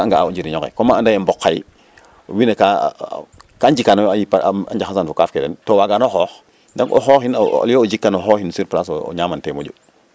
a nga'a o njiriñ onqe comme anda yee mbok xaye win we kaa njikanooyo a yipan a njaxasan fo kaaf ke den to waagan o xoox nam o xooxin au lieu o jikan xooxin sur place o ñaaman ten moƴu